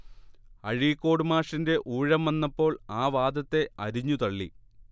അഴീക്കോട് മാഷിന്റെ ഊഴം വന്നപ്പോൾ ആ വാദത്തെ അരിഞ്ഞുതള്ളി